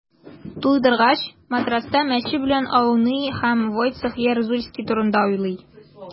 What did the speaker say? Туйдыргач, матраста мәче белән ауный һәм Войцех Ярузельский турында уйлый.